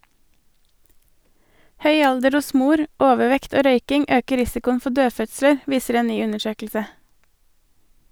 Høy alder hos mor, overvekt og røyking øker risikoen for dødfødsler , viser en ny undersøkelse.